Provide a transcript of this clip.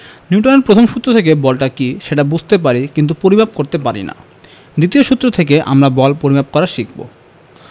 নিউটনের প্রথম সূত্র থেকে বলটা কী সেটা বুঝতে পারি কিন্তু পরিমাপ করতে পারি না দ্বিতীয় সূত্র থেকে আমরা বল পরিমাপ করা শিখব